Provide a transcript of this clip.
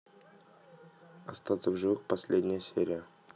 остаться в живых последняя серия